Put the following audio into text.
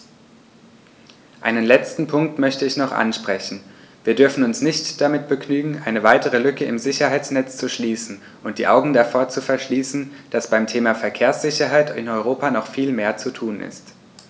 Einen letzten Punkt möchte ich noch ansprechen: Wir dürfen uns nicht damit begnügen, eine weitere Lücke im Sicherheitsnetz zu schließen und die Augen davor zu verschließen, dass beim Thema Verkehrssicherheit in Europa noch viel mehr zu tun ist.